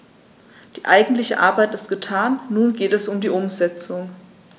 Die eigentliche Arbeit ist getan, nun geht es um die Umsetzung.